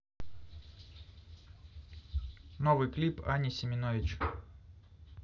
новый клип ани семенович